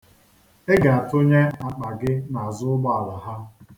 Ị ga-atụnye akpa gị n'azụ ụgbaala ha.